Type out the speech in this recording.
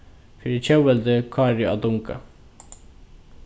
fyri tjóðveldið kári á dunga